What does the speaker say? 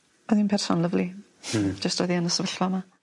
oedd 'i'n person lyfli. Hmm. Jyst oedd'i yn y sefyllfa 'ma.